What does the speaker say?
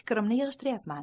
fikrimni jamlayapman